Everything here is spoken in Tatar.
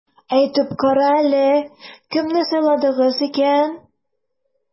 Әйтеп кара әле, кемне сайладыгыз икән?